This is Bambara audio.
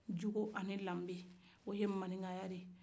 jogo ani danbe o ye maninkaya de ye